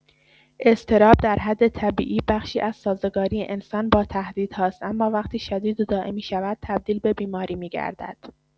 اضطراب در حد طبیعی بخشی از سازگاری انسان با تهدیدهاست، اما وقتی شدید و دائمی شود، تبدیل به بیماری می‌گردد.